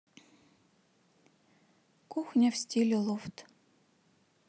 кухня в стиле лофт